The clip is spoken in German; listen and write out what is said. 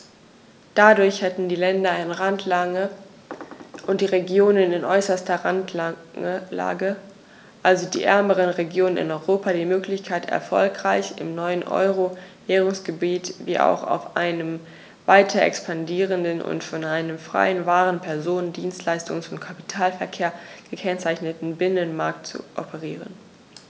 Dadurch hätten die Länder in Randlage und die Regionen in äußerster Randlage, also die ärmeren Regionen in Europa, die Möglichkeit, erfolgreich im neuen Euro-Währungsgebiet wie auch auf einem weiter expandierenden und von einem freien Waren-, Personen-, Dienstleistungs- und Kapitalverkehr gekennzeichneten Binnenmarkt zu operieren.